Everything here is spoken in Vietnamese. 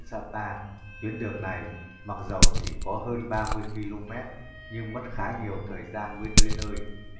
tuyến đường này mặc dầu chỉ có hơn km nhưng mất khá nhiều thời gian mới tới nơi